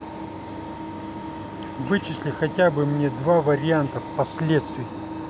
вычисли хотя бы мне два варианта последствий